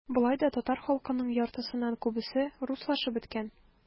Болай да татар халкының яртысыннан күбесе - руслашып беткән.